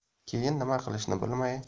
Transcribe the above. keyin nima qilishni bilmay